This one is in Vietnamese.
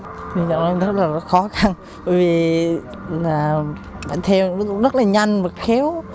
bây giờ đang rất là khó khăn bởi vì là ảnh theo cũng rất là nhanh và khéo